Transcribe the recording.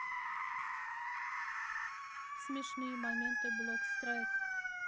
смешные моменты блок страйк